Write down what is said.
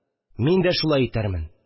Мин дә шулай итәрмен.